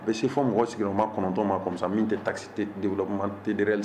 Bɛ se fɔ mɔgɔ sigiyɔrɔ ma kɔnɔntɔnma kɔsa min tɛ tasi de tɛ sisan